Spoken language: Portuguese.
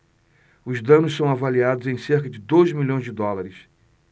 os danos são avaliados em cerca de dois milhões de dólares